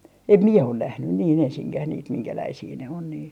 en minä ole nähnyt niin ensinkään niitä minkälaisia ne on niin